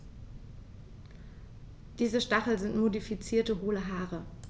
Diese Stacheln sind modifizierte, hohle Haare.